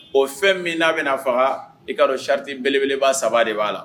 O fɛn min n'a bɛna faga i ka saritibelebele bba saba de b'a la